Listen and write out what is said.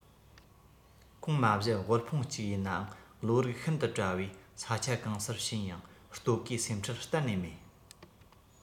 ཁོང མ གཞི དབུལ ཕོངས ཅིག ཡིན ནའང བློ རིག ཤིན ཏུ བཀྲ བས ས ཆ གང སར ཕྱིན ཡང ལྟོ གོས སེམས ཁྲལ གཏན ནས མེད